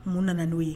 Mun nana n'o ye